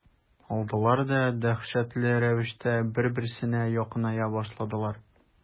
Алдылар да дәһшәтле рәвештә бер-берсенә якыная башладылар.